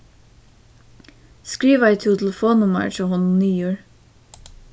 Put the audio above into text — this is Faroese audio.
skrivaði tú telefonnummarið hjá honum niður